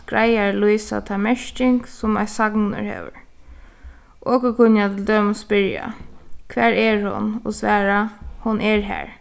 greiðari lýsa ta merking sum eitt sagnorð hevur okur kunna til dømis spyrja hvar er hon og svara hon er har